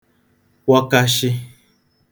kwọkashị